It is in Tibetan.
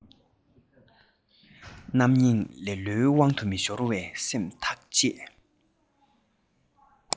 རྣམ གཡེང ལེ ལོའི དབང དུ མི ཤོར བའི སེམས ཐག བཅད